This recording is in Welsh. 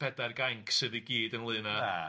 ...pedair gainc sydd i gyd ynghlyn a... Ia.